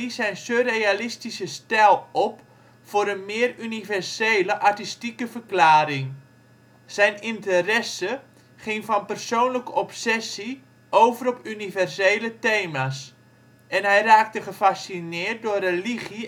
zijn surrealistische stijl op voor een meer universele artistieke verklaring. Zijn interesse ging van persoonlijke obsessie over op universele thema’ s en hij raakte gefascineerd door religie